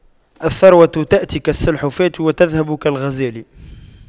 الثروة تأتي كالسلحفاة وتذهب كالغزال